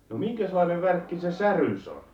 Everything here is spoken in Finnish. no minkäslainen värkki se särys on